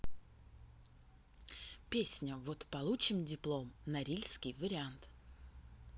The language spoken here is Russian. песня вот получим диплом норильский вариант